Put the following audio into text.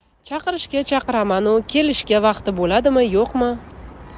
chaqirishga chaqiramanu kelishga vaqti bo'ladimi yo'qmi